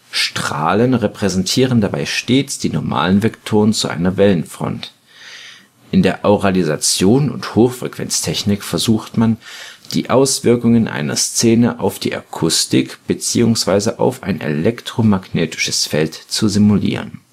Strahlen repräsentieren dabei stets die Normalenvektoren zu einer Wellenfront. In der Auralisation und Hochfrequenztechnik versucht man, die Auswirkungen einer Szene auf die Akustik beziehungsweise auf ein elektromagnetisches Feld zu simulieren